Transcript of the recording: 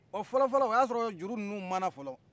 ɔ fɔlɔfɔlɔ o ya sɔrɔ juru nunu mana fɔlɔ